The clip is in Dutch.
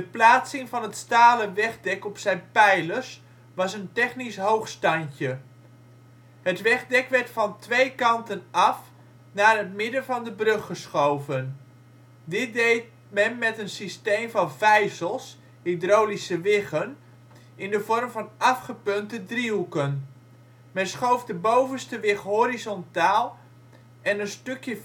plaatsing van het stalen wegdek op zijn pijlers was een technisch hoogstandje: Het wegdek werd van twee kanten af naar het midden van de brug geschoven. Dit deed men met een systeem van vijzels (hydraulische wiggen) in de vorm van afgepunte driehoeken. Men schoof de bovenste wig horizontaal en een stukje verticaal